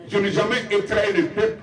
je n'ai jamais pris le peuple